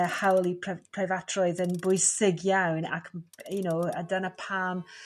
e hawl i preifatrwydd yn bwysig iawn ac you know dyna pam